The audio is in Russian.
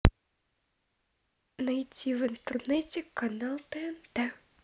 найти в интернете канал тнт